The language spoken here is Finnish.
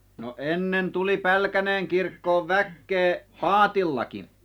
no ennen tuli Pälkäneen kirkkoon väkeä paatillakin